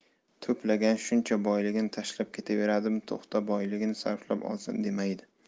to'plagan shuncha boyligini tashlab ketaveradimi to'xta boyligini sarflab olsin demaydi